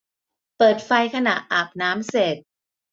เปิดไฟขณะอาบน้ำเสร็จ